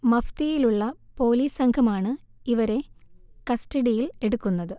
മഫ്തിയിലുള്ള police സംഘമാണ് ഇവരെ കസ്റ്റഡിയിൽ എടുക്കുന്നത്